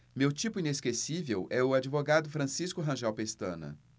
meu tipo inesquecível é o advogado francisco rangel pestana